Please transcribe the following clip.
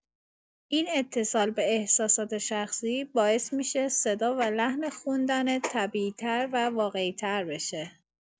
این اتصال به احساسات شخصی باعث می‌شه صدا و لحن خوندنت طبیعی‌تر و واقعی‌تر بشه.